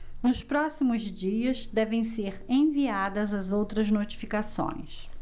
nos próximos dias devem ser enviadas as outras notificações